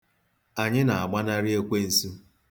Anyị na-agbanarị ekwensu.